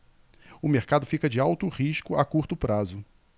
o mercado fica de alto risco a curto prazo